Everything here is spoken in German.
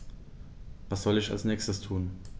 Was soll ich als Nächstes tun?